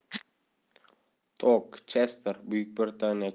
tock chester buyuk britaniya